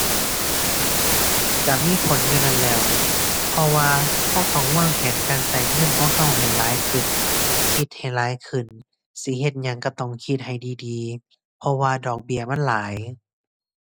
ก็มีผลอยู่นั่นแหล้ว เพราะว่าก็ต้องวางแผนการก็เงินของก็ให้หลายขึ้น คิดให้หลายขึ้น สิเฮ็ดหยังก็ต้องคิดให้ดีดี เพราะว่าดอกเบี้ยมันหลาย